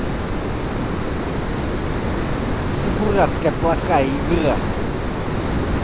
ты дурацкая плохая игра